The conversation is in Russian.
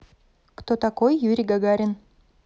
кто такой юрий гагарин